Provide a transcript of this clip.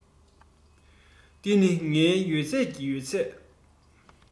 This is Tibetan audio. འདི ནི ངའི ཡོད ཚད ཀྱི ཡོད ཚད